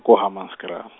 ko Hammanskraal.